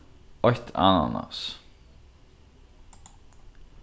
eitt ananas